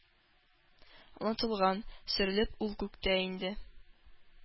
Онытылган. Сөрелеп ул күктән иңде